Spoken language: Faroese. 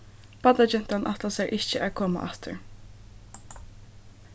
barnagentan ætlar sær ikki at koma aftur